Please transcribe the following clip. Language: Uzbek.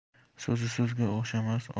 so'zi so'zga o'xshamas